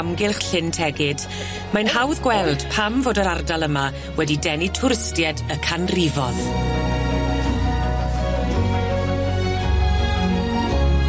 amgylch Llyn Tegid mae'n hawdd gweld pam fod yr ardal yma wedi denu twristied y canrifodd.